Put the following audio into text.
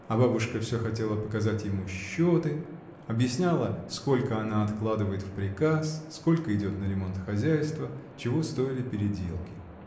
А бабушка всё хотела показывать ему счеты, объясняла, сколько она откладывает в приказ, сколько идет на ремонт хозяйства, чего стоили переделки.